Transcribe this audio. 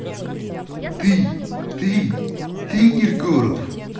ты ты ты киркоров